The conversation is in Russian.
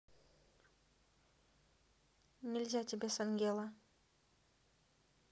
нельзя тебе с angela